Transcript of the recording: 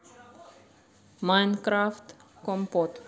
майнкрафт компот